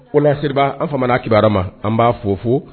O laseriba an fana a kibaruya ma an b'a fo fo